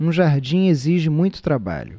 um jardim exige muito trabalho